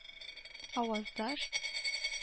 Аваздаш